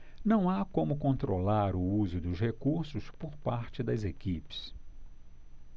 não há como controlar o uso dos recursos por parte das equipes